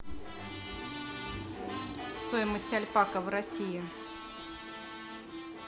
стоимость альпака в россии